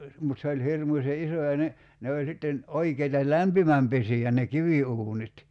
mutta se oli hirmuisen iso ja ne ne oli sitten oikeita lämpimänpesiä ne kiviuunit